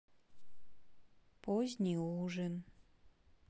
поздний ужин